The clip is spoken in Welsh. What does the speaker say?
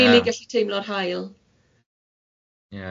gallu teimlo'r haul.